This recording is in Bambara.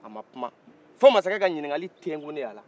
a ma kuma fo masakɛ ka ɲininkali tɛnkunen a la